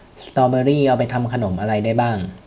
สตอเบอร์รี่เอาไปทำขนมอะไรได้บ้าง